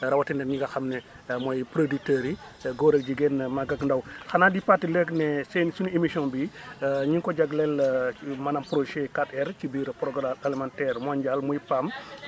rawatina ñi nga xam ne mooy producteur yi góor ak jigéen mag ak ndaw xanaa di fàttali rek ne seen sunu émission bi ñu ngi ko jagleel maanaam projet 4R ci biir programme alimentaire mondial muy PAM